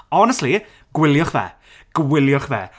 Honestly gwilywch fe. Gwilywch fe.